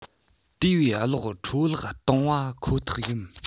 དེ བས གློག འཕྲོ བརླག གཏོང བ ཁོ ཐག ཡིན